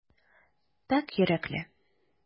Пакь йөрәкле.